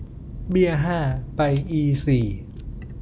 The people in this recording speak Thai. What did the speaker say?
เบี้ยห้าไปอีสี่